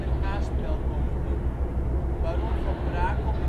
haarspeldbochten. Baron van Brakell